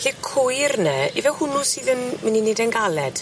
'Lly cwyr 'ne yfe hwnnw sydd yn myn' i neud e'n galed?